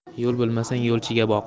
yo'l bilmasang yo'lchiga boq